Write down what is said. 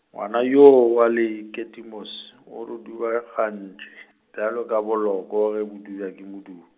ngwana yoo wa Lekitimos-, o re dubagantše, bjalo ka boloko ge bo dubja ke modu.